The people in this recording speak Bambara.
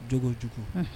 Jo ojugu